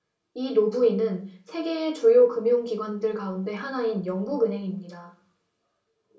이 노부인은 세계의 주요 금융 기관들 가운데 하나인 영국은행입니다